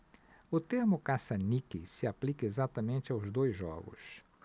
o termo caça-níqueis se aplica exatamente aos dois jogos